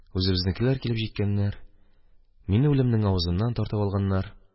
Үзебезнекеләр килеп җиткәннәр, мине үлемнең авызыннан тартып алганнар.